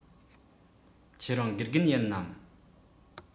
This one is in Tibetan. ཁྱེད རང དགེ རྒན ཡིན ནམ